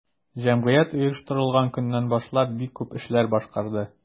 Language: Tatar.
Җәмгыять оештырылган көннән башлап бик күп эшләр башкарды.